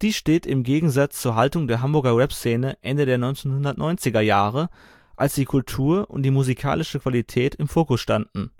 steht im Gegensatz zur Haltung der Hamburger Rap-Szene Ende der 1990er Jahre, als die Kultur und die musikalische Qualität im Fokus standen